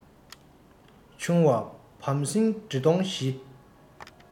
ཆུང བ བམ སྲིང འདྲེ གདོང བཞི